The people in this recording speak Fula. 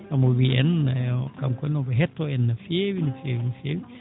omo wiya en kanko ne omo hettoo en no feewi no feewi no feewi